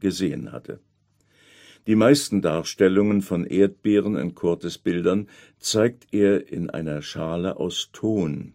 gesehen hatte. Die meisten Darstellungen von Erdbeeren in Coortes Bildern zeigt er in einer Schale aus Ton,